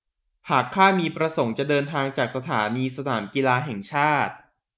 หากข้ามีประสงค์จะเดินทางจากสถานีสนามกีฬาแห่งชาติ